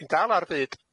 Ti'n dal ar fud.